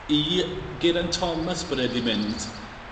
i Geraint Thomas bod e 'di mynd.